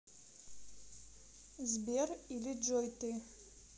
сбер или джой ты